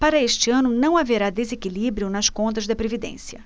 para este ano não haverá desequilíbrio nas contas da previdência